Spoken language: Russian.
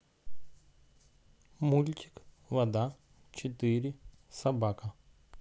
мультик вода четыре собака